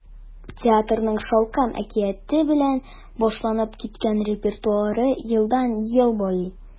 Театрның “Шалкан” әкияте белән башланып киткән репертуары елдан-ел байый.